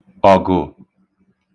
ọ̀gụ̀